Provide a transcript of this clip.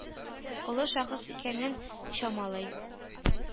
Олы шәхес икәнен чамалый.